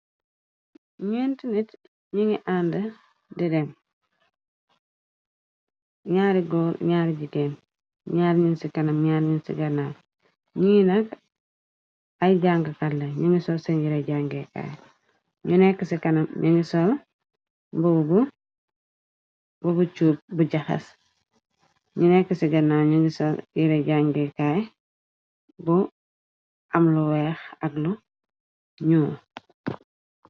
ñent nit ñu ngi ànd di dem ñari góol ñar jgéen ñaar ñun ci kanam ñaar ñu ci ganna ñui nak ay jàngkalla ñu ngi sol san yire jangeekaay ñu nekk ci kanam ña ngi sol bbu bu cuub bu jaxas ñu nekk ci gannaaw ñu ngi sol yira jangekaay bu am lu weex ak lu ñuu